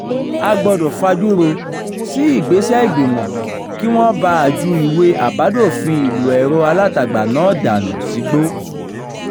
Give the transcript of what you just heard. A gbọdọ̀ fajú ro sí ìgbésẹ̀ Ìgbìmọ̀ kí wọ́n ba ju ìwé àbádòfin ìlò ẹ̀rọ alátagbà náà dànù sígbó.